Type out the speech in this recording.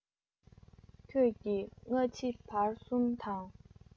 ཁྱོད ཀྱིས སྔ ཕྱི བར གསུམ དང